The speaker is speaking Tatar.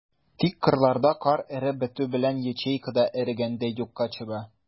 Тик кырларда кар эреп бетү белән, ячейка да эрегәндәй юкка чыга.